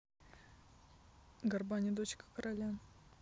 горбаня дочка короля